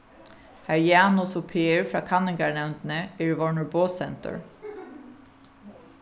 har janus og per frá kanningarnevndini eru vorðnir boðsendir